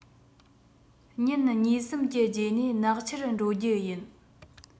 ཉིན གཉིས གསུམ གྱི རྗེས ནས ནག ཆུར འགྲོ རྒྱུ ཡིན